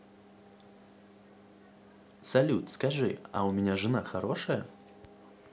салют скажи а у меня жена хорошая